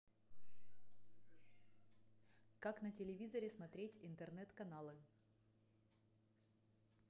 как на телевизоре смотреть интернет каналы